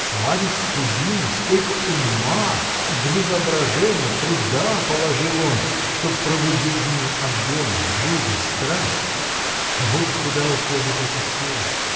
сладить с кузиной, сколько ума, игры воображения, труда положил он, чтоб пробудить в ней огонь, жизнь, страсть. Вот куда уходят эти силы!